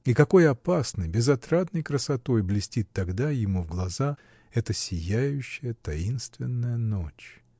И какой опасной, безотрадной красотой блестит тогда ему в глаза эта сияющая, таинственная ночь!